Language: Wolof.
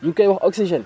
ñu ngi koy wax oxygène